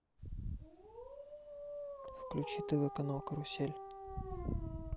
включи тв канал карусель